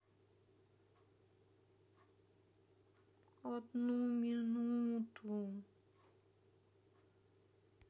одну минуту